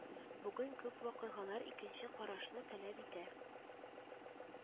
Бүген күп вакыйгалар икенче карашны таләп итә